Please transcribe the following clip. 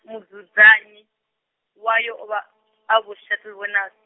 mudzudzanyi, wayo o vha, a Vho Schetilvhonas-.